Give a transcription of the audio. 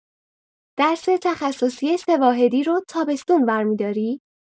درس تخصصی ۳ واحدی رو تابستون ورمیداری؟